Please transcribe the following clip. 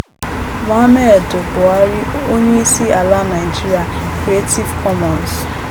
Muhammadu Buhari, onye isi ala naijiria. Creative Commons.